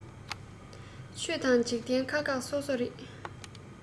ཆོས དང འཇིག རྟེན ཁག ཁག སོ སོ རེད